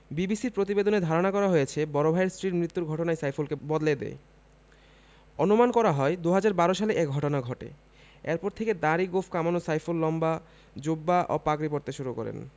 বিবিসির প্রতিবেদনে ধারণা করা হয়েছে বড় ভাইয়ের স্ত্রীর মৃত্যুর ঘটনাই সাইফুলকে বদলে দেয় অনুমান করা হয় ২০১২ সালে এ ঘটনা ঘটে এরপর থেকে দাড়ি গোঁফ কামানো সাইফুল লম্বা জোব্বা ও পাগড়ি পরতে শুরু করেন